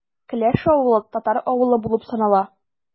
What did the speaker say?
Келәш авылы – татар авылы булып санала.